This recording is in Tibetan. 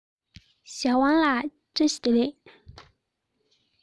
ཞའོ ཝང ལགས བཀྲ ཤིས བདེ ལེགས